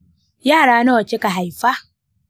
yara nawa kika haifa?